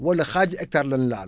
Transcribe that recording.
wala xaaju hectare lañ laal